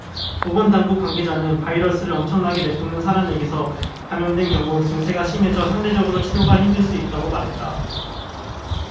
보건당국 관계자는 바이러스를 엄청나게 내뿜는 사람에게서 감염된 경우엔 증세가 심해져 상대적으로 치료가 힘들 수 있다고 말했다